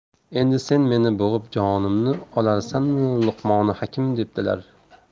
endi sen meni bo'g'ib jonimni olarsanmi luqmoni hakim debdilar